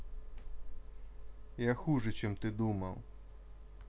я хуже чем ты думал